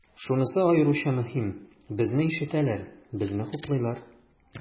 Шунысы аеруча мөһим, безне ишетәләр, безне хуплыйлар.